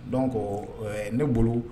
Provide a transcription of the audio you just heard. Dɔn ko ne bolo